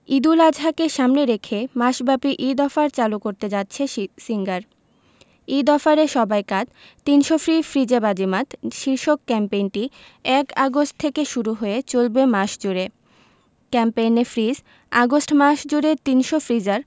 ঈদুল আজহাকে সামনে রেখে মাসব্যাপী ঈদ অফার চালু করতে যাচ্ছে সিঙ্গার ঈদ অফারে সবাই কাত ৩০০ ফ্রি ফ্রিজে বাজিমাত শীর্ষক ক্যাম্পেইনটি ১ আগস্ট থেকে শুরু হয়ে চলবে মাস জুড়ে ক্যাম্পেইনে ফ্রিজ আগস্ট মাস জুড়ে ৩০০ ফ্রিজার